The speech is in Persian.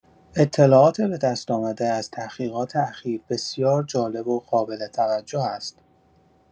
اطلاعات به‌دست‌آمده از تحقیقات اخیر بسیار جالب و قابل‌توجه است.